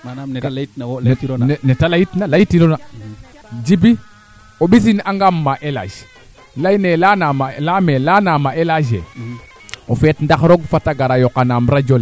manaam meteo fee fo i ne'aano yo sax fo ke ando naye ten refu a sutwa noonga le ndiing ne parce que o ndeeta ngaan xoxox we ana njega teen jafe jafe mayu